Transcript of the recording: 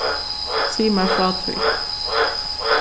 sig mær frá tí